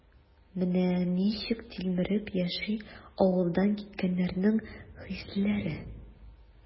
Менә ничек тилмереп яши авылдан киткәннәрнең хислеләре?